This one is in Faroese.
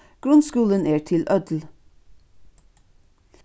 grundskúlin er til øll